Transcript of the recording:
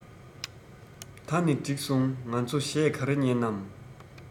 ད ནི གྲིགས སོང ང ཚོ གཞས ག རེ ཉན ནམ